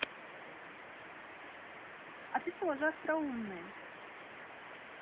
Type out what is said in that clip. а ты тоже остроумные